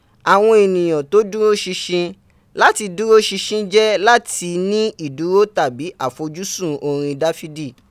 Awon eniyan to duro sinsin, lati duro sinsin je lati ni iduro tabi afoju sun orin dafidi